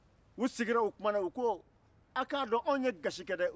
u sigira u kumana u ko a ka dɔn anw ye gasi kɛ dɛ